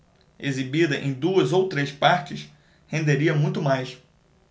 exibida em duas ou três partes renderia muito mais